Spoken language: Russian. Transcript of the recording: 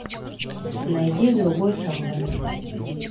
найди другой салон